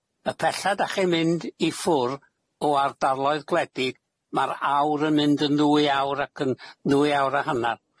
Y pella dach chi'n mynd i ffwr' o ardaloedd gwledig, ma'r awr yn mynd yn ddwy awr ac yn ddwy awr a hannar.